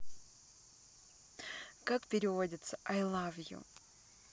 как переводится i love you